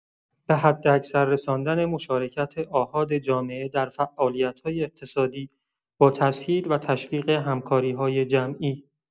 به حداکثر رساندن مشارکت آحاد جامعه در فعالیت‌های اقتصادی با تسهیل و تشویق همکاری‌های جمعی